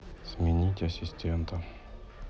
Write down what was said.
сменить ассистента